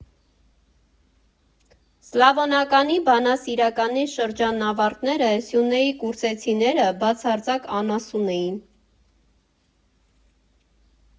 Սլավոնականի բանասիրականի շրջանավարտները՝ Սյունեի կուրսեցիները, բացարձակ անասուն էին։